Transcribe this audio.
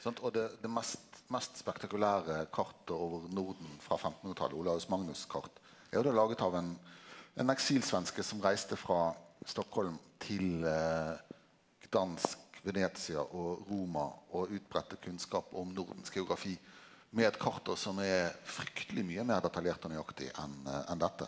sant og det det mest mest spektakulære kartet over Norden frå femtenhundretalet Olaus Magnus' kart er jo då laget av ein ein eksilsvenske som reiste frå Stockholm til Gdansk, Venezia og Roma og utbreidde kunnskap om Nordens geografi med eit kart då som er frykteleg mykje meir detaljert og nøyaktig enn enn dette.